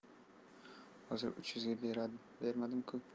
hozir uch yuzga bermadim ku